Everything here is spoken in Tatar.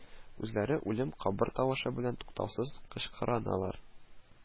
Үзләре үлем, кабер тавышы белән туктаусыз кычкырыналар: